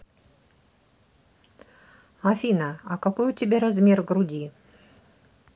афина а какой у тебя размер груди